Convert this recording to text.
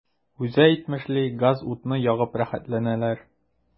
Үзе әйтмешли, газ-утны ягып “рәхәтләнәләр”.